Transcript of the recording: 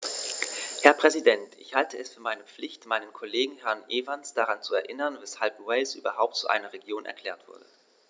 Herr Präsident, ich halte es für meine Pflicht, meinen Kollegen Herrn Evans daran zu erinnern, weshalb Wales überhaupt zu einer Region erklärt wurde.